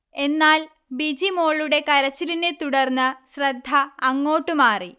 എന്നാൽ ബിജി മോളുടെ കരച്ചിലിനെ തുടർന്ന് ശ്രദ്ധ അങ്ങോട്ട് മാറി